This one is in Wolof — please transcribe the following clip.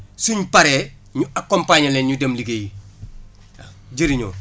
suñ paree ñu accompagner leen ñu dem liggéeyi waa jëriñoo